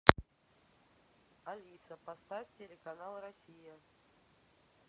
алиса поставь телеканал россия